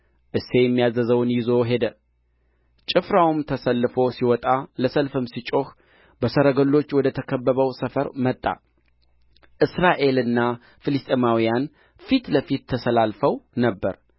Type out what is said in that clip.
እሴይም ያዘዘውን ይዞ ሄደ ጭፍራውም ተሰልፎ ሲወጣ ለሰልፍም ሲጮኽ በሰረገሎች ወደ ተከበበው ሰፈር መጣ እስራኤልና ፍልስጥኤማውያን ፊት ለፊት ተሰላልፈው ነበር